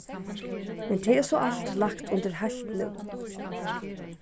men tað er so alt lagt undir heilt nú